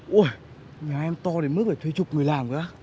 uầy nhà em to đến mức phải thuê chục người làm cơ á